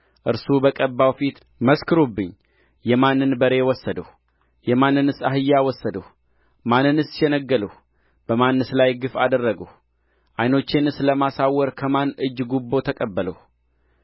እርሱ በቀባው ፊት መስክሩብኝ የማንን በሬ ወሰድሁ የማንንስ አህያ ወሰድሁ ማንንስ ሸነገልሁ በማንስ ላይ ግፍ አደረግሁ ዓይኖቼንስ ለማሳወር ከማን ጋር እጅ ጉቦ ተቀበልሁ